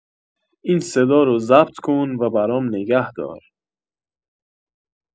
این صدا رو ضبط کن و برام نگه دار